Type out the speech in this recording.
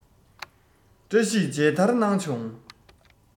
བཀྲ ཤིས མཇལ དར གནང བྱུང